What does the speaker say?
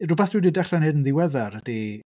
Rywbeth dwi 'di dechrau'n wneud yn ddiweddar ydy...